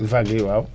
vagues yi waaw